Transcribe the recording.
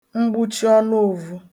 mgbuchiọnụòvu